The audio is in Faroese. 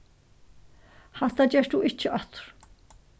hatta gert tú ikki aftur